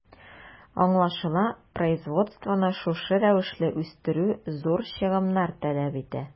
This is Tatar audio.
Аңлашыла, производствоны шушы рәвешле үстерү зур чыгымнар таләп итә.